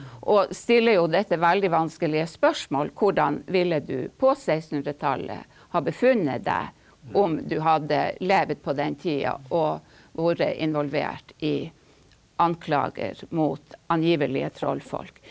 og stiller jo dette veldig vanskelige spørsmål hvordan ville du på sekstenhundretallet ha befunnet deg om du hadde levd på den tida og vært involvert i anklager mot angivelige trollfolk.